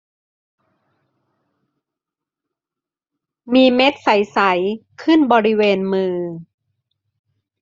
มีเม็ดใสใสขึ้นบริเวณมือ